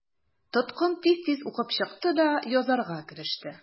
Тоткын тиз-тиз укып чыкты да язарга кереште.